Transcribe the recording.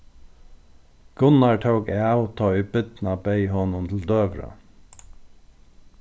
gunnar tók av tá ið birna beyð honum til døgurða